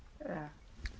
Ia.